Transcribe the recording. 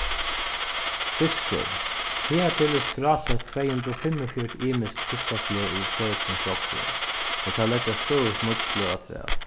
fiskur higartil er skrásett tvey hundrað og fimmogfjøruti ymisk fiskasløg í føroyskum sjógvi og tað leggjast støðugt nýggj sløg afturat